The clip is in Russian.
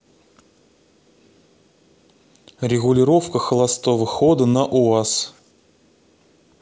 регулировка холостого хода на уаз